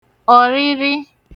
ọ̀rịrị